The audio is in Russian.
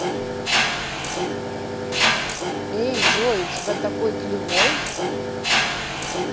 эй джой у тебя такой клевой